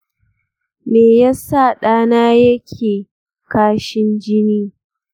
meyasa ɗana yake kashin jini?